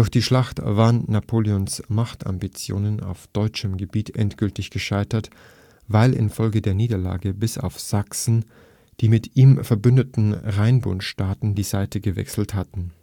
die Schlacht waren Napoleons Machtambitionen auf deutschem Gebiet endgültig gescheitert, weil infolge der Niederlage bis auf Sachsen die mit ihm verbündeten Rheinbundstaaten die Seite gewechselt hatten